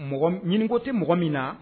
Mɔgɔ ɲinin tɛ mɔgɔ min na